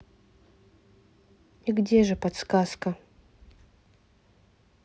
и где же подсказка